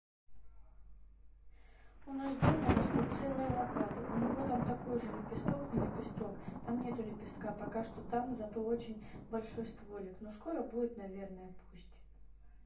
у нас дома растут целые авокадо у него там такой же лепесток не лепесток там нету лепестка пока что там зато очень большой стволик но скоро будет наверное пусть